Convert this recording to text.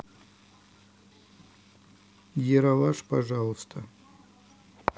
ералаш пожалуйста